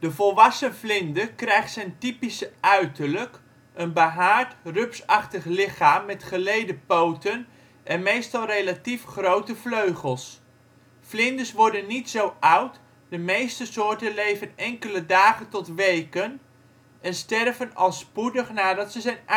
volwassen vlinder krijgt zijn typische uiterlijk; een behaard, rupsachtig lichaam met gelede poten en meestal relatief grote vleugels. Vlinders worden niet zo oud, de meeste soorten leven enkele dagen tot weken en sterven al spoedig nadat ze zijn uitgekomen